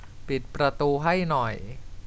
ปิดประตูให้หน่อย